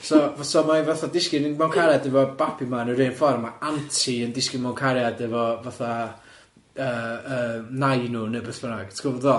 So so ma' 'i fatha disgyn yn mewn cariad efo babi yma yn yr un ffor, ma' anti yn disgyn mewn cariad efo fatha yy yy nai nhw neu beth bynnag, ti'n gwbod be' dw i feddwl?